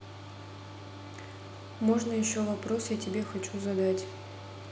можно еще вопрос я тебе хочу задать